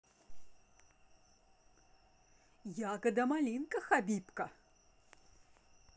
ягода малинка хабиб ка